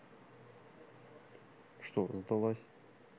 что сдалась